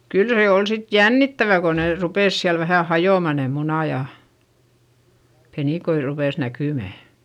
kyllä se oli sitten jännittävää kun ne rupesi siellä vähän hajoamaan ne munat ja penikoita rupesi näkymään